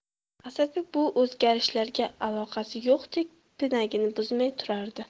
asadbek bu o'zgarishlarga aloqasi yo'qdek pinagini buzmay turardi